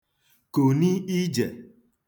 kùni ijè